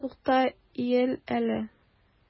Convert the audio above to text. Тукта, иел әле!